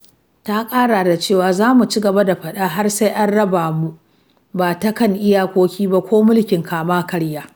Ta ƙara da cewa: '' Za mu ci gaba da faɗa har sai an raba mu, ba ta kan iyakoki ba ko mulkin kama-karya.